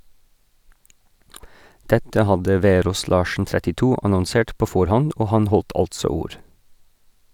Dette hadde Verås Larsen (32) annonsert på forhånd, og han holdt altså ord.